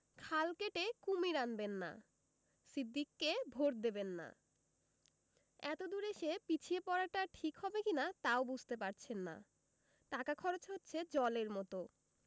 খাল কেটে কুমীর আনবেন না সিদ্দিককে ভোট দেবেন না এতদূর এসে পিছিয়ে পড়াটা ঠিক হবে কি না তাও বুঝতে পারছেন না টাকা খরচ হচ্ছে জলের মত